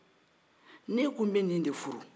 n'e ko n bɛ nin de furu